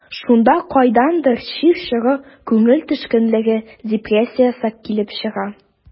Шунда кайдандыр чир чоры, күңел төшенкелеге, депрессиясе килеп чыга.